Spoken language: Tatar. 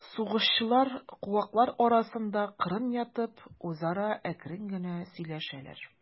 Сугышчылар, куаклар арасында кырын ятып, үзара әкрен генә сөйләшәләр.